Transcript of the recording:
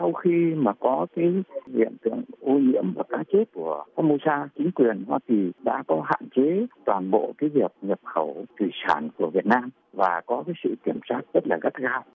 sau khi mà có cái hiện tượng ô nhiễm cá chết của phóc mô sa chính quyền hoa kỳ đã có hạn chế toàn bộ cái việc nhập khẩu thủy sản của việt nam và có cái sự kiểm soát rất là gắt gao